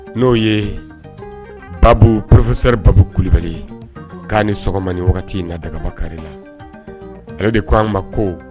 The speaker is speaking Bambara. N'o ye ba pkisɛsɛri babu kulubali ye k'a ni sɔgɔma ni wagati in na dagabakari la ale de ko an ma ko